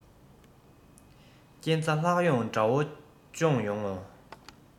རྐྱེན རྩ ལྷག ཡོང དགྲ བོ མཆོངས ཡོང ངོ